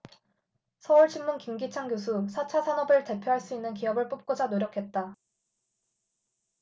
서울신문 김기찬 교수 사 차 산업혁명을 대표할 수 있는 기업을 뽑고자 노력했다